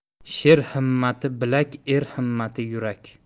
sher himmati bilak er himmati yurak